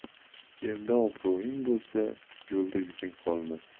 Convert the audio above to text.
elda obro'ying bo'lsa yo'lda yuking qolmas